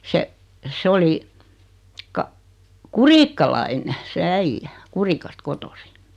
se se oli - kurikkalainen se äijä Kurikasta kotoisin